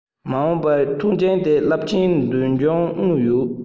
མ འོངས པར ཐེན ཅིན དེ བས རླབས ཆེན གྱི མདུན ལྗོངས མངོན ཡོད